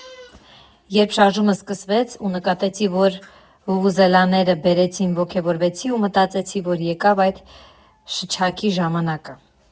Երբ շարժումը սկսվեց ու նկատեցի, որ վուվուզելաները բերեցին, ոգևորվեցի ու մտածեցի, որ եկավ այդ շչակի ժամանակը։